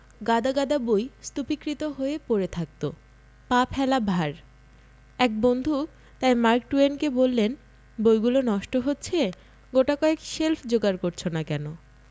গাদা গাদা বই স্তূপীকৃত হয়ে পড়ে থাকত পা ফেলা ভার এক বন্ধু তাই মার্ক টুয়েনকে বললেন বইগুলো নষ্ট হচ্ছে গোটাকয়েক শেল্ফ যোগাড় করছ না কেন